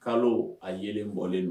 Kalo a yelenbɔlen don